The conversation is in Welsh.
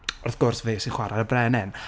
Wrth gwrs, fe sy'n chwarae'r Brenin.